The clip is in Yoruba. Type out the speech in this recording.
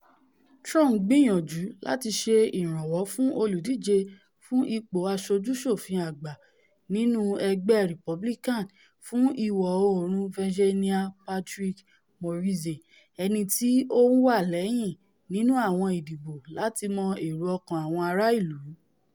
Trump ńgbìyànjú láti ṣe ìrànwọ́ fún olùdíje fún ipò Aṣojú-ṣòfin Àgbà nínú ẹgbẹ́ Republican fún Ìwọ-oòrùn Virginia Patrick Morrisey ẹniti ó ńwà lẹ́yìn nínú àwọn ìdìbò láti mọ èrò-ọkàn àwọn ara ìlú.